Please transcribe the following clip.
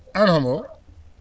aan hombo